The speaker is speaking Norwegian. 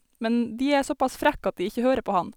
Men de er såpass frekk at de ikke hører på han.